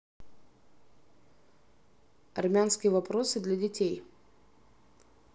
армянские вопросы для детей